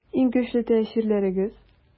Иң көчле тәэсирләрегез?